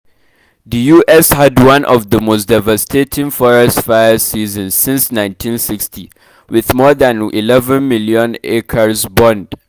The US had one of the most devastating forest fire seasons since 1960, with more than 11 million acres burned (that’s the size of Denmark).